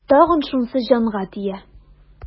Тагын шунысы җанга тия.